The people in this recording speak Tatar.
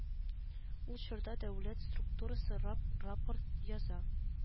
Ул чорда дәүләт структурасы рап рапорт яза